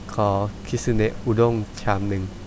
ขอคิสึเนะอุด้งชามหนึ่ง